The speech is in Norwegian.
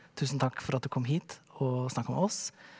tusen takk for at du kom hit og snakka med oss.